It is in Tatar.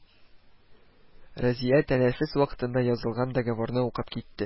Разия тәнәфес вакытында язылган договорны укып китте: